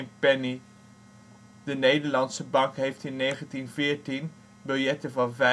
penny. De Nederlandsche Bank heeft in 1914 biljetten van 5.000